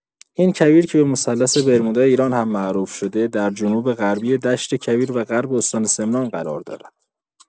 این کویر که به مثلث برمودای ایران هم معروف شده در جنوب‌غربی دشت کویر و غرب استان سمنان قرار دارد.